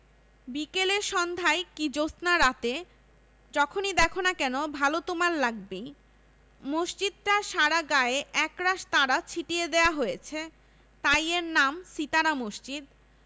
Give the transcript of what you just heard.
বিকেলে সন্ধায় কি জ্যোৎস্নারাতে যখনি দ্যাখো না কেন ভালো তোমার লাগবেই মসজিদটার সারা গায়ে একরাশ তারা ছিটিয়ে দেয়া হয়েছে তাই এর নাম সিতারা মসজিদ